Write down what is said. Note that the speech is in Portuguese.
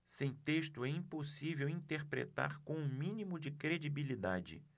sem texto é impossível interpretar com o mínimo de credibilidade